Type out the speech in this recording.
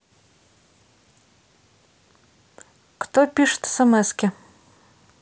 кто пишет смски